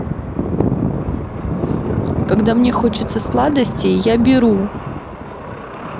когда мне хочется сладостей я беру